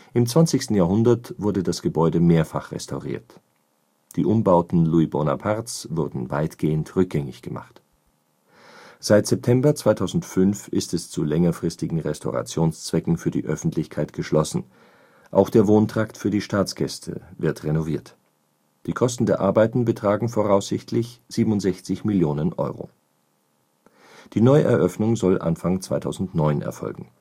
Im 20. Jahrhundert wurde das Gebäude mehrfach restauriert, die Umbauten Louis Bonapartes wurden weitgehend rückgängig gemacht. Seit September 2005 ist es zu längerfristigen Restaurationszwecken für die Öffentlichkeit geschlossen, auch der Wohntrakt für die Staatsgäste wird renoviert. Die Kosten der Arbeiten betragen voraussichtlich 67 Millionen Euro. Die Neueröffnung soll Anfang 2009 erfolgen